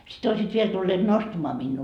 sitten olisivat vielä tulleet nostamaan minua